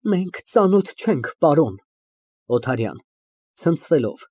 Մենք ծանոթ չենք, պարոն։ ՕԹԱՐՅԱՆ ֊ (Ցնցվելով)